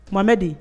Mamɛdi